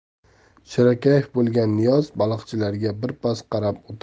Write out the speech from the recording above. shirakayf bo'lgan niyoz baliqchilarga birpas qarab